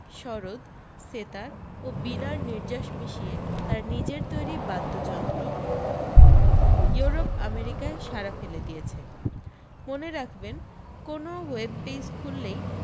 সরোদ সেতার ও বীণার নির্যাস মিশিয়ে তাঁর নিজের তৈরী বাদ্য্যন্ত্র ইওরোপ আমেরিকায় সাড়া ফেলে দিয়েছে মনে রাখবেন কোনও ওয়েবপেজ খুললেই